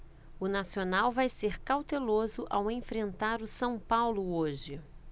o nacional vai ser cauteloso ao enfrentar o são paulo hoje